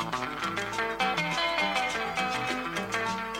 Sanunɛunɛ